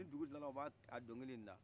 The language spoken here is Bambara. ni dugu tila la u bɛ a dɔnkili da